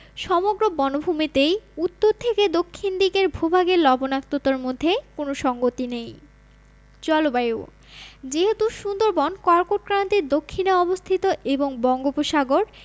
সমগ্র বনভূমিতেই উত্তর থেকে দক্ষিণ দিকের ভূভাগের লবণাক্ততার মধ্যে কোন সঙ্গতি নেই জলবায়ুঃ যেহেতু সুন্দরবন কর্কটক্রান্তির দক্ষিণে অবস্থিত এবং বঙ্গোপসাগর